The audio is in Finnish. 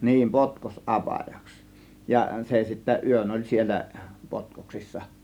niin - potkosapajaksi ja se sitten yön oli siellä potkoksissa